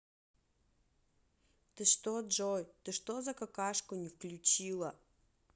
ты что джой ты что за какашку не включила